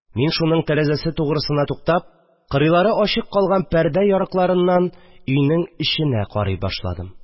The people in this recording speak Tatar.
Мин, шуның тәрәзәсе тугрысына туктап, кырыылары ачык калган пәрдә ярыкларынан өйнең эченә карый башладым